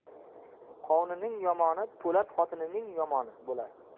qovunning yomoni po'la xotinning yomoni bo'la